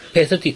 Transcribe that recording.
...peth ydi...